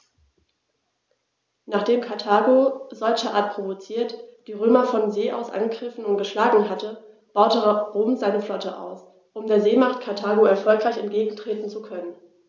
Nachdem Karthago, solcherart provoziert, die Römer von See aus angegriffen und geschlagen hatte, baute Rom seine Flotte aus, um der Seemacht Karthago erfolgreich entgegentreten zu können.